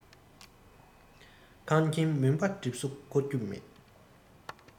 ཁང ཁྱིམ མུན པ གྲིབ སོ འཁོར རྒྱུ མེད